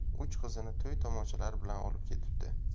to'y tomoshalar bilan olib ketibdi